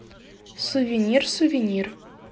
сувенир сувенир